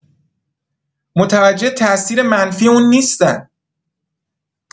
متوجه تاثیر منفی اون نیستن